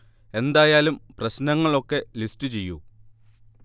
എന്തായാലും പ്രശ്നങ്ങൾ ഒക്കെ ലിസ്റ്റ് ചെയ്യൂ